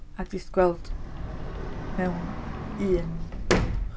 A jyst gweld mewn un wel...